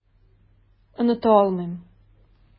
Оныта алмыйм.